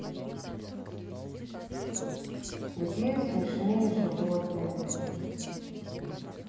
где смешные животные